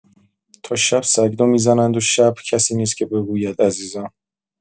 تا شب سگ‌دو می‌زنند و شب، کسی نیست که بگوید: عزیزم!